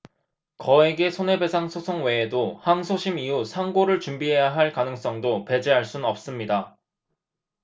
거액의 손해배상 소송 외에도 항소심 이후 상고를 준비해야 할 가능성도 배제할 순 없습니다